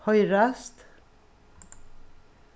hoyrast